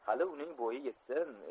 hali uning bo'yi yetsin